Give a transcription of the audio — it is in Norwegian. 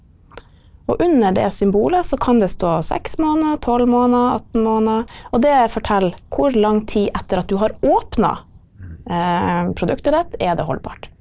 og under det symbolet så kan det stå seks måneder, tolv måneder, 18 måneder, og det forteller hvor lang tid etter at du har åpna produktet ditt er det holdbart.